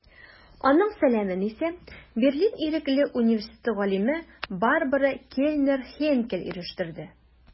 Аның сәламен исә Берлин Ирекле университеты галиме Барбара Кельнер-Хейнкель ирештерде.